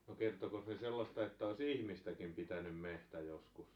no kertoikos ne sellaista että olisi ihmistäkin pitänyt metsä joskus